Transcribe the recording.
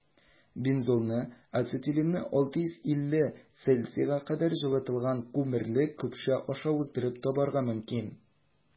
Бензолны ацетиленны 650 С кадәр җылытылган күмерле көпшә аша уздырып табарга мөмкин.